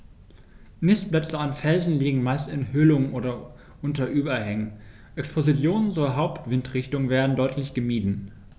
Nistplätze an Felsen liegen meist in Höhlungen oder unter Überhängen, Expositionen zur Hauptwindrichtung werden deutlich gemieden.